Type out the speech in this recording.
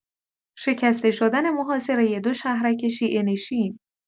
شکسته شدن محاصره دو شهرک شیعه‌نشین